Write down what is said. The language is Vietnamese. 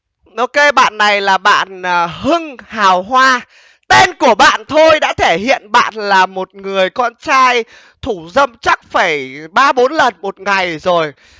ô kê bạn này là bạn là hưng hào hoa tên của bạn thôi đã thể hiện bạn là một người con trai thủ dâm chắc phải ba bốn lần một ngày rồi